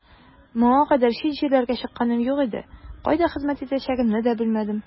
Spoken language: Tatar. Моңа кадәр чит җирләргә чыкканым юк иде, кайда хезмәт итәчәгемне дә белмәдем.